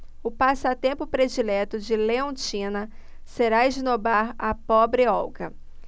o passatempo predileto de leontina será esnobar a pobre olga